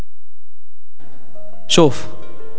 شوف